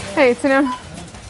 Heia ti'n iawn?